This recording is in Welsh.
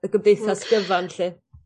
Y gymdeithas gyfan 'lly.